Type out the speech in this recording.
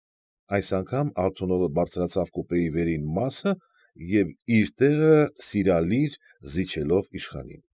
Այս անգամ Ալթունովը բարձրացավ կուպեի վերին մասը, իր տեղը սիրալիր զիջելով իշխանին։